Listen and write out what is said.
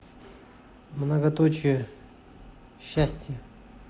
многоточие счастье